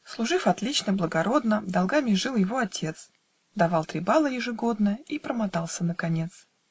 Служив отлично благородно, Долгами жил его отец, Давал три бала ежегодно И промотался наконец.